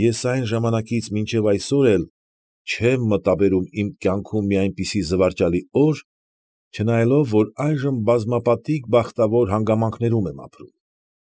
Ես այն ժամանակից մինչև այսօր էլ չեմ մտաբերում իմ կյանքում մի այնպիսի զվարճալի օր, չնայելով, որ այժմ բազմապատիկ բախտավոր հանգամանքներում եմ ապրում։